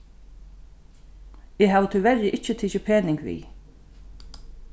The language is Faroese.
eg havi tíverri ikki tikið pening við